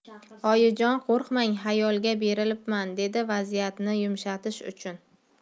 oyijon qo'rqmang xayolga berilibman dedi vaziyatni yumshatish uchun